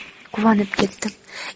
quvonib ketdim